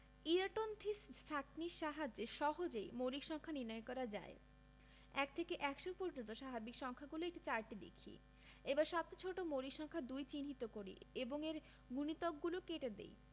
ইরাটোন্থিছিস ছাঁকনির সাহায্যে সহজেই মৌলিক সংখ্যা নির্ণয় করা যায় ১ থেকে ১০০ পর্যন্ত স্বাভাবিক সংখ্যাগুলো একটি চার্টে দেখি এবার সবচেয়ে ছোট মৌলিক সংখ্যা ২ চিহ্নিত করি এবং এর গুণিতকগলো কেটে দেই